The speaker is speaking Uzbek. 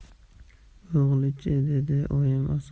o'g'li chi dedi